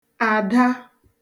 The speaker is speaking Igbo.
àda